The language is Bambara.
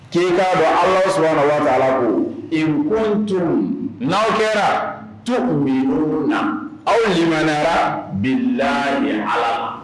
K'i'a bɔ ala sɔrɔ ala ko inkuntu n'aw kɛra tu bɛ na aw ɲin manara bi ɲɛ ala